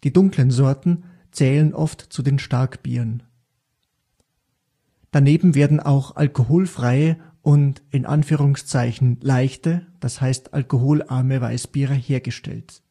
dunklen Sorten zählen oft zu den Starkbieren. Daneben werden auch alkoholfreie und „ leichte “(alkoholarme) Weißbiere hergestellt